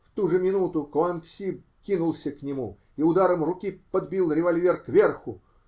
В ту же минуту Куанг-Си кинулся к нему и ударом руки подбил револьвер кверху.